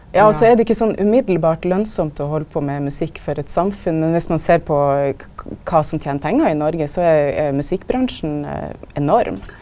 ja og så er det ikkje sånn direkte lønnsamt å halda på med musikk for eit samfunn, men viss ein ser på kva som tener pengar i Noreg så er er musikkbransjen enorm.